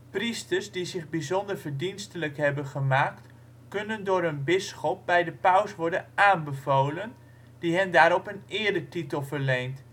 Priesters die zich bijzonder verdienstelijk hebben gemaakt kunnen door hun bisschop bij de paus worden aanbevolen, die hen daarop een eretitel verleent